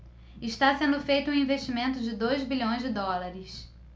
está sendo feito um investimento de dois bilhões de dólares